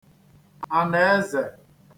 ànàezè